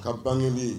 Ka bangeni